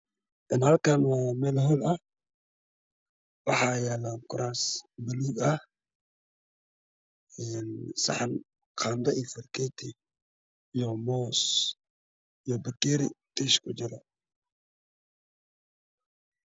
Kani waa hool waxaa ii muuqda kuraasman iyo miisas waxaa saaran midabkiisii hay caddaan waxaa saaran saxamiin qaado